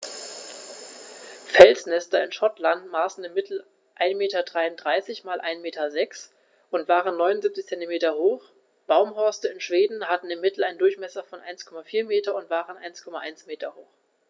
Felsnester in Schottland maßen im Mittel 1,33 m x 1,06 m und waren 0,79 m hoch, Baumhorste in Schweden hatten im Mittel einen Durchmesser von 1,4 m und waren 1,1 m hoch.